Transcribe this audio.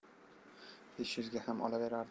besh yuzga ham olaverardim